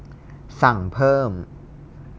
สั่งเพิ่ม